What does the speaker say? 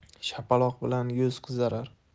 shapaloq bilan yuz qizarar